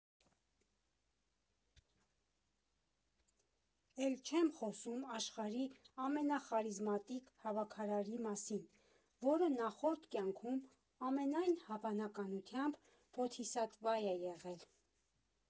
Էլ չեմ խոսում աշխարհի ամենախարիզմատիկ հավաքարարի մասին, որը նախորդ կյանքում ամենայն հավանականությամբ բոդհիսատվա է եղել։